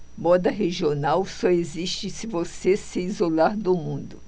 moda regional só existe se você se isolar do mundo